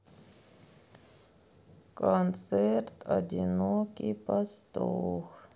концерт одинокий пастух